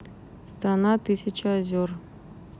страна тысяча озер